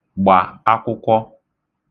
gbà akwụkwọ